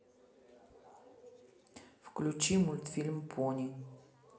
включи мультфильм пони